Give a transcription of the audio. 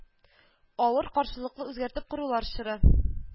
Авыр, каршылыклы үзгәртеп корулар чоры